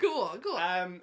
Go on, go on.... Ymm.